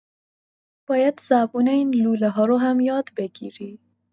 باید زبون این لوله‌ها رو هم یاد بگیری.